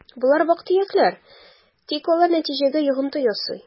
Болар вак-төякләр, тик алар нәтиҗәгә йогынты ясый: